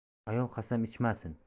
ayol qasam ichmasin